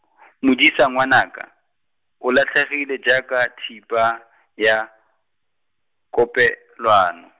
Modisa ngwanake, o latlhegile jaaka thipa, ya, kopelwane.